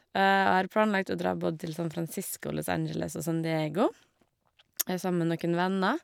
Og jeg har planlagt å dra både til San Fransisco, Los Angeles og San Diego sammen noen venner.